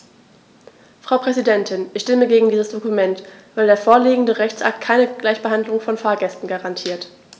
Frau Präsidentin, ich stimme gegen dieses Dokument, weil der vorliegende Rechtsakt keine Gleichbehandlung von Fahrgästen garantiert.